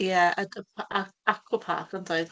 Ie, y- d- p- a- aquapark yn doedd?